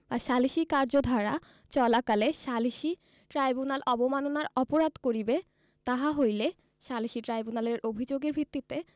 বা সালিসী কার্যধারা চলাকালে সালিসী ট্রাইব্যুনাল অবমাননার অপরাধ করিবে তাহা হইলে সালিসী ট্রাইব্যুনালের অভিযোগের ভিত্তিতে